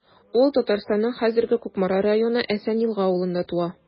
Ул Татарстанның хәзерге Кукмара районы Әсән Елга авылында туа.